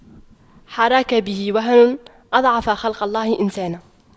حراك به وهن أضعف خلق الله إنسانا